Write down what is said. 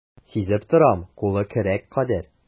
Сизеп торам, кулы көрәк кадәр.